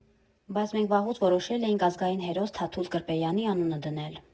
Բայց մենք վաղուց որոշել էինք ազգային հերոս Թաթուլ Կրպեյանի անունը դնել։